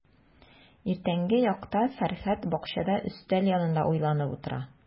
Иртәнге якта Фәрхәт бакчада өстәл янында уйланып утыра.